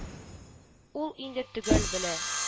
Ул инде төгәл белә: